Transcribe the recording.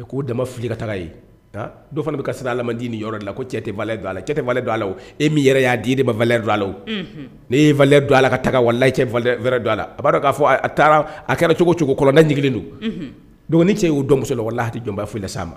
K'o dama fili ka taga ye dɔ fana bɛ ka siran a ma di ni yɔrɔ de la ko cɛtɛ tɛlɛ don a cɛ tɛlɛ don a la e min yɛrɛ y'a di ne ma vlɛ don ni ye vlɛ don ala la ka taga walalahi don a la a b'a dɔn k'a fɔ a taara a kɛra cogo cogolɔndaj don dɔgɔnin cɛ y o don laha jɔn foyila sa a ma